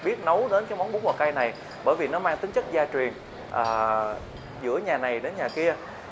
biết nấu món bún bò cay này bởi vì nó mang tính chất gia truyền ở giữa nhà này đến nhà kia